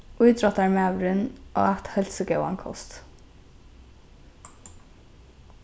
ítróttarmaðurin át heilsugóðan kost